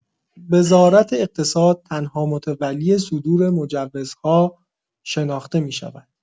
وزارت اقتصاد تنها متولی صدور مجوزها شناخته می‌شود.